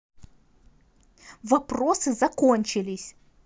вопросы закончились